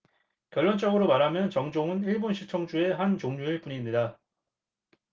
결론적으로 말하면 정종은 일본식 청주의 한 종류일 뿐입니다